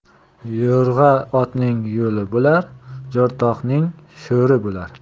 yo'rg'a otning yo'li bo'lar jo'rtoqining sho'ri bo'lar